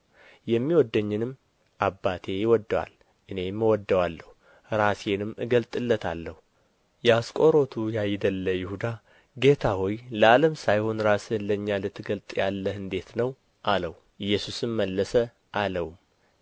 የሚወደኝንም አባቴ ይወደዋል እኔም እወደዋለሁ ራሴንም እገልጥለታለሁ የአስቆሮቱ ያይደለ ይሁዳ ጌታ ሆይ ለዓለም ሳይሆን ራስህን ለእኛ ልትገልጥ ያለህ እንዴት ነው አለው ኢየሱስም መለሰ አለውም